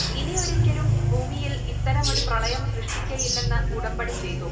ഇനിയൊരിക്കലും ഭൂമിയിൽ ഇത്തരമൊരു പ്രളയം സൃഷ്ടിക്കയില്ലെന്ന് ഉടമ്പടി ചെയ്തു